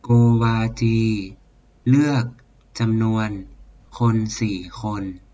โกวาจีเลือกจำนวนคนสี่คน